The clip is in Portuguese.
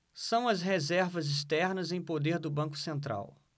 são as reservas externas em poder do banco central